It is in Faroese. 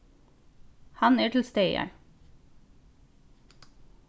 hann er til staðar